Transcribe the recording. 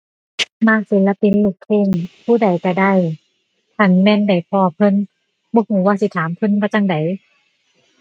มักศิลปินลูกทุ่ง ผู้ใดก็ได้ คันแม่นได้พ้อเพิ่นบ่ก็ว่าสิถามเพิ่นว่าจั่งใด